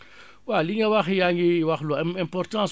waa li nga wax yaa ngi wax lu am importance